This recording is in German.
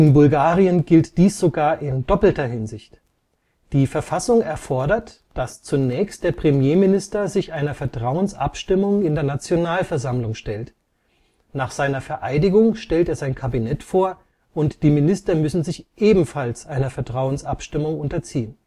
Bulgarien gilt dies sogar in doppelter Hinsicht: Die Verfassung erfordert, dass zunächst der Premierminister sich einer Vertrauensabstimmung in der Nationalversammlung stellt, nach seiner Vereidigung stellt er sein Kabinett vor und die Minister müssen sich ebenfalls einer Vertrauensabstimmung unterziehen